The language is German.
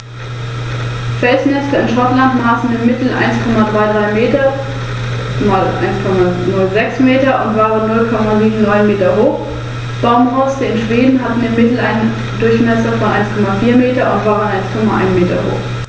Einfacher zu betrachten ist die üppige Vegetation.